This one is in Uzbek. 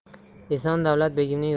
eson davlat begimning